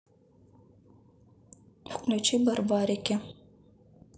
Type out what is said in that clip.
включи барбарики